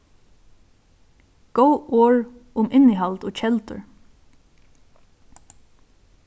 góð orð um innihald og keldur